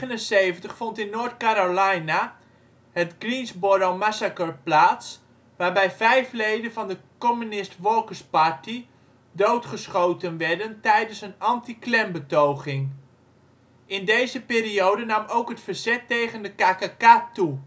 In 1979 vond in North Carolina het Greensboro Massacre plaats waarbij vijf leden van de Communist Workers Party doodgeschoten werden tijdens een anti-Klan-betoging. In deze periode nam ook het verzet tegen de KKK toe